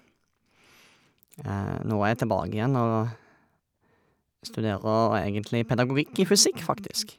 Nå er jeg tilbake igjen, og jeg studerer egentlig pedagogikk i fysikk, faktisk.